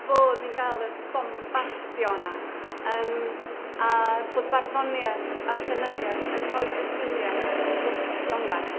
Bod ni'n cael yr bombardio yna yym a bod barddoniaeth a llenyddiaeth yn rhoid y sgiliau yna i gopio'n well.